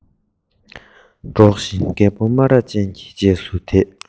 སྒྲོག བཞིན རྒད པོ སྨ ར ཅན གྱི རྗེས སུ དེད